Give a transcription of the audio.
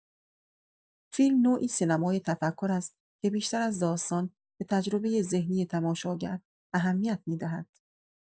فیلم نوعی سینمای تفکر است که بیشتر از داستان، به تجربۀ ذهنی تماشاگر اهمیت می‌دهد.